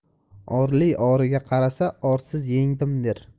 orli origa qarasa orsiz yengdim der